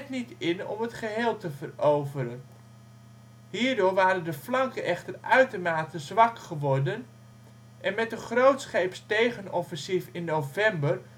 niet in om het geheel te veroveren. Hierdoor waren de flanken echter uitermate zwak geworden, en met een grootscheeps tegenoffensief in november